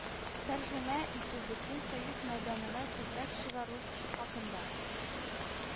Тәрҗемә итү, бөтен союз мәйданына күбрәк чыгару хакында